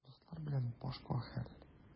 Дуслар белән башка хәл.